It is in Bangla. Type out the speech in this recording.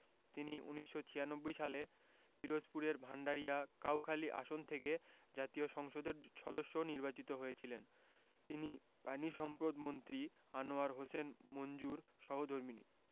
তিনি ১৯৯৬ সালে পিরোজপুরের ভাণ্ডারিয়া কাউখালী আসন থেকে জাতীয় সংসদের সদস্য নির্বাচিত হয়েছিলেন তিনি পানিসম্পদমন্ত্রী আনোয়ার হোসেন মঞ্জুর সহধর্মিণী